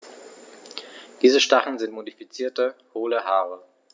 Diese Stacheln sind modifizierte, hohle Haare.